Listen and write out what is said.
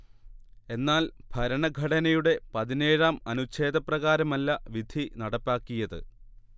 എന്നാൽ ഭരണഘടനയുടെ പതിനേഴാം അനുഛേദപ്രകാരമല്ല വിധി നടപ്പാക്കിയത്